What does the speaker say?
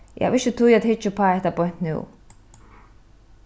eg havi ikki tíð at hyggja uppá hetta beint nú